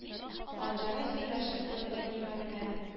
Аннары сөйләшеп торуда ни мәгънә